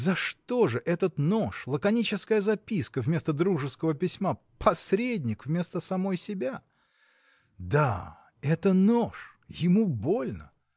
За что же этот нож: лаконическая записка вместо дружеского письма, посредник — вместо самой себя? Да, — это нож: ему больно.